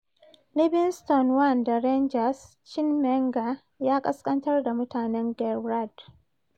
Livingston 1 da Rangers 0: Cin Menga ya ƙasƙantar da mutanen Gerrard